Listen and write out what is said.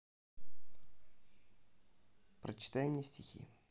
прочитай мне стихи